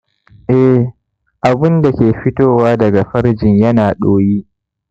eh, abunda ke fitowa daga farjin ya na ɗoyi